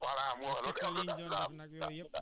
jiw bi ba ba ngay pare jiw loolu